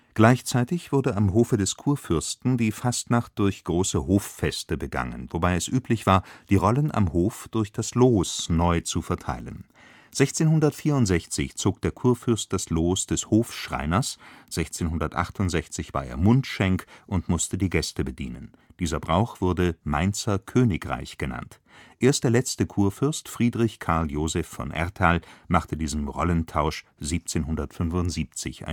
Gleichzeitig wurde am Hofe des Kurfürsten die Fastnacht durch große Hoffeste begangen, wobei es üblich war, die Rollen am Hof durch das Los neu zu verteilen. 1664 zog der Kurfürst das Los des Hofschreiners, 1668 war er Mundschenk und musste die Gäste bedienen. Dieser Brauch wurde „ Mainzer Königreich “genannt. Erst der letzte Kurfürst Friedrich Karl Joseph von Erthal machte diesem Rollentausch 1775